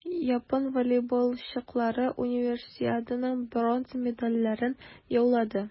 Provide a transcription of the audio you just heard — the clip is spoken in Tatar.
Япон волейболчылары Универсиаданың бронза медальләрен яулады.